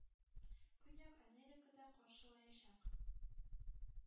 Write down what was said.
Көньяк Америкада каршылаячак.